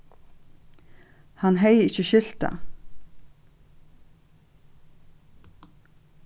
hann hevði ikki skilt tað